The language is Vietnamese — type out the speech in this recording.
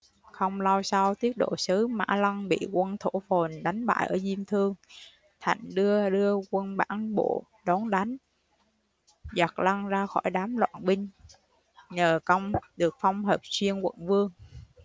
không lâu sau tiết độ sứ mã lân bị quân thổ phồn đánh bại ở diêm thương thạnh đưa đưa quân bản bộ đón đánh giật lân ra khỏi đám loạn binh nhờ công được phong hợp xuyên quận vương